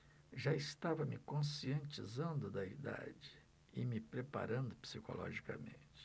já estava me conscientizando da idade e me preparando psicologicamente